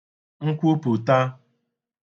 nkwupùta